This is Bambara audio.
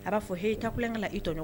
A b'a fɔ h ta ku ka i tɔ